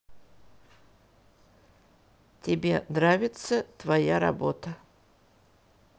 тебе нравится твоя работа